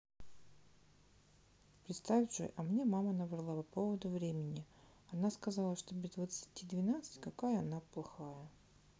представь джой а мне мама наврала по поводу времени она сказала что без двадцати двенадцать какая она плохая